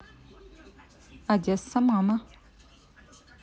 одесса мама